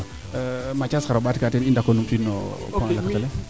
Mathiase xaro mbaat kaa teen i ndako numtu wiin no point laaga